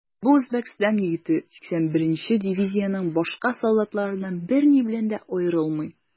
Бу Үзбәкстан егете 81 нче дивизиянең башка солдатларыннан берни белән дә аерылмый.